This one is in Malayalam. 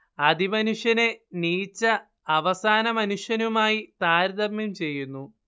അതിമനുഷ്യനെ നീച്ച അവസാനമനുഷ്യനുമായി താരതമ്യം ചെയ്യുന്നു